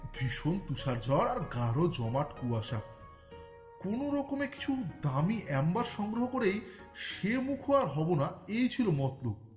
ভীষণ তুষার ঝড় আর গাঢ় জমাট কুয়াশ কোন রকমের কিছু দামি এমবার সংগ্রহ করেই সে মুখো আর হব না এই ছিল মতলব